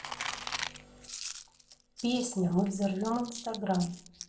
песня мы взорвем инстаграм